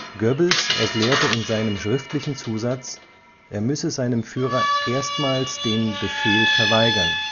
Goebbels erklärte in seinem schriftlichen Zusatz, er müsse seinem Führer erstmals den Befehl verweigern